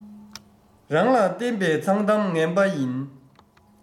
རང ལ བརྟེན པའི མཚང གཏམ ངན པ ཡིན